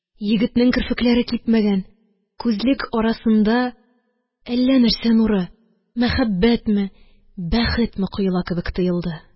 Егетнең керфекләре кипмәгән, күзлек арасында әллә нәрсә нуры – мәхәббәтме, бәхетме коела кебек тоелды.